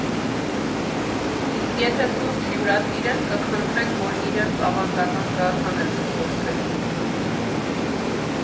Իսկ եթե սուրճ հյուրասիրեն, կխնդրեք, որ իրենց ավանդական գաթան էլ կփորձեք։